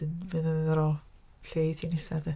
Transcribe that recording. Wedyn fydd hi'n ddiddorol lle eith hi nesaf de.